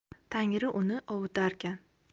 tangri uni ovutarkan